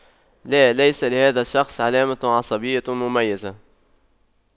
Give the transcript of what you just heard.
لا ليس لهذا الشخص علامة عصبية مميزة